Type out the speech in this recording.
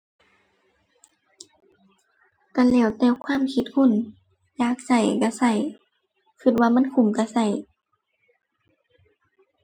ก็แล้วแต่ความคิดคน อยากก็ก็ก็ ก็ว่ามันคุ้มก็ก็